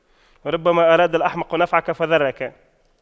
ربما أراد الأحمق نفعك فضرك